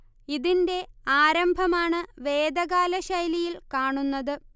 ഇതിന്റെ ആരംഭമാണ് വേദകാല ശൈലിയിൽ കാണുന്നത്